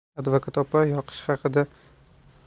advokat opa yoqish haqida